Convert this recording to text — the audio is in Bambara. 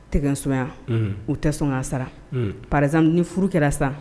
Tɛgɛ sonya u tɛ sɔn a sara paz ni furu kɛra sa